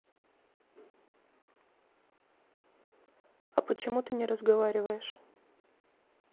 а почему ты не разговариваешь